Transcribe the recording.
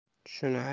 shuni ayt